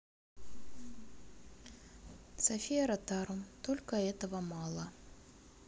софия ротару только этого мало